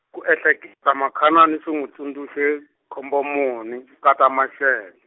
ku ehleketa Makhanani swi n'wi tsundzuxe, Khombomuni , nkata Mashele.